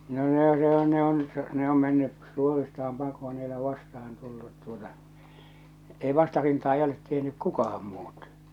no ne on se on ne on ne on mennyt suoristaan pakoon pakoon ei ole vastaan tullut tuota ei vastarintaa ei olet tehnyt kukaan muut